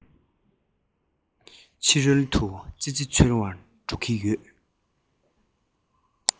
ཕྱི རོལ དུ ཙི ཙི འཚོལ བར འགྲོ གི ཡོད